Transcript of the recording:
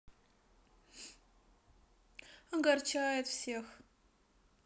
огорчает всех